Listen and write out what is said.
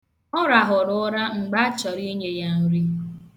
Ọ rahụrụ ụra mgbe achọrọ ihe ya nri.